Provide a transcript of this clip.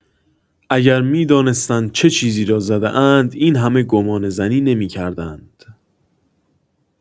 اگر می‌دانستند چه چیزی را زده‌اند این همه گمانه‌زنی نمی‌کردند.